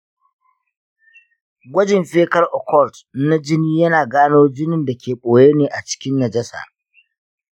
gwajin faecal occult na jini yana gano jinin da ke boye ne a cikin najasa.